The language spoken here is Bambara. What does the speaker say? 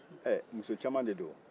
ɛ muso caman de do